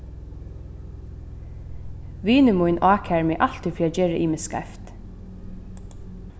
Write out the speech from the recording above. vinur mín ákærir meg altíð fyri at gera ymiskt skeivt